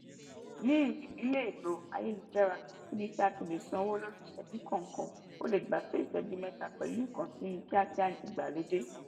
Ní ilé ìlò ayélujára, níbi tí o ní láti san owó lórí ìṣẹ́jú kọ̀ọ̀kan, ó le gbà tó ìṣẹ́jú mẹ́ta pẹ̀lú ìkànsíni kíákíá ìgbàlódé